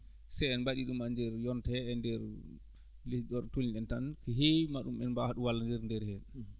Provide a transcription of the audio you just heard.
si en mbaɗii ɗum e ndeer yonta he e ndeer liggorɗe tolni ɗen tan ko heewi maa ɓe ɗum mbaawi ɗum wallonndirde